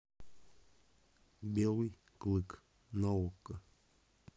белый клык на окко